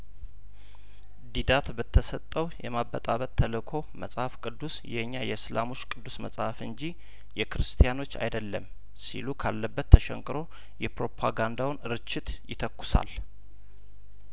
ዲዳት በተሰጠው የማበጣበጥ ተልእኮው መጽሀፍ ቅዱስ የኛ የእስላሞች ቅዱስ መጽሀፍ እንጂ የክርስቲያኖች አይደለም ሲሉ ካለበት ተሸን ቅሮ የፕሮፓጋንዳውን ርችት ይተኩሳል